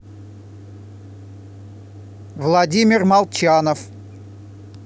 владимир молчанов